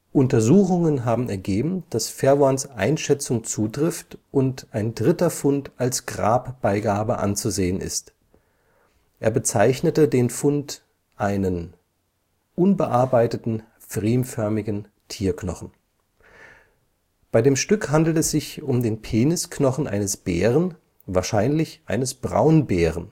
Untersuchungen haben ergeben, dass Verworns Einschätzung zutrifft und ein dritter Fund als Grabbeigabe anzusehen ist. Er bezeichnete den Fund einen „ unbearbeiteten pfriemförmigen Tierknochen “. Bei dem Stück handelt es sich um den Penisknochen eines Bären, wahrscheinlich eines Braunbären. Er